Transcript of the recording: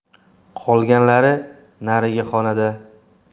qolganlari narigi xonada